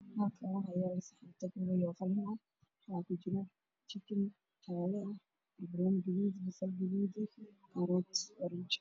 Halkaan waxaa yaalo saxan teg away ah oo qalin waxaa ku jira jikin jaalle ah banbanooni gaduud basal gaduud karooto oranji ah.